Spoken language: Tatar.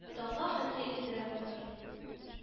Таңга хәтле изрәп утыр…